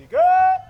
Nka